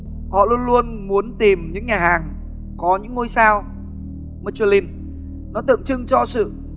họ luôn luôn muốn tìm những nhà hàng có những ngôi sao mây chô lim nó tượng trưng cho sự